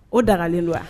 O dagalen don wa?